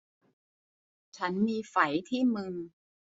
ฉันมีไฝที่มือ